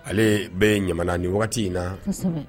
Ale bɛ ɲamana ni in na